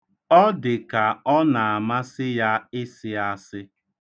Ọ dị ka ọ na-amasị ya ịsị asị.